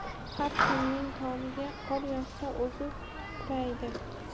har kimning tomiga qor yog'sa o'zi kuraydi